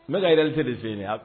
Ne ka yɛrɛ selen de sen